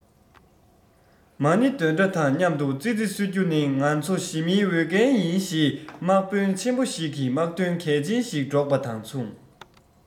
མ ཎི འདོན སྒྲ དང མཉམ དུ ཙི ཙི གསོད རྒྱུ ནི ང ཚོ ཞི མིའི འོས འགན ཡིན ཞེས དམག དཔོན ཆེན པོ ཞིག གིས དམག དོན གལ ཆེན ཞིག སྒྲོག པ དང མཚུངས